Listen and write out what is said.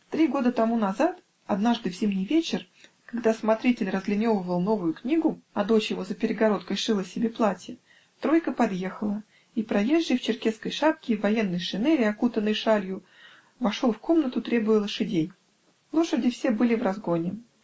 Три года тому назад, однажды, в зимний вечер, когда смотритель разлиновывал новую книгу, а дочь его за перегородкой шила себе платье, тройка подъехала, и проезжий в черкесской шапке, в военной шинели, окутанный шалью, вошел в комнату, требуя лошадей. Лошади все были в разгоне.